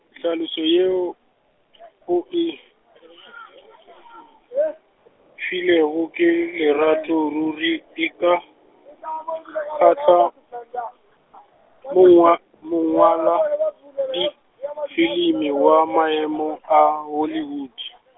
tlhaloso yeo , o e , filego ke lerato ruri e ka, kgahla, mongwa-, mongwaladifilimi wa maemo a Hollywood.